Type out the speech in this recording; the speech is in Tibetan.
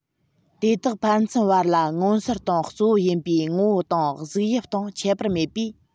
དེ དག ཕན ཚུན བར ལ མངོན གསལ དང གཙོ བོ ཡིན པའི ངོ བོ དང གཟུགས དབྱིབས སྟེང ཁྱད པར མེད པས